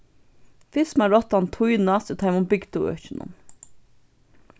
fyrst má rottan týnast í teimum bygdu økjunum